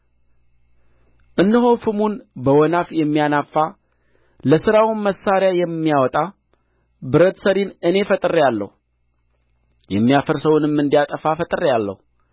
እነሆ ፍሙን በወናፍ የሚያናፋ ለሥራውም መሣሪያ የሚያወጣ ብረት ሠሪን እኔ ፈጥሬአለሁ የሚያፈርሰውንም እንዲያጠፋ ፈጥሬአለሁ